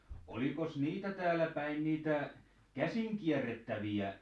olikos niitä täälläpäin niitä käsin kierrettäviä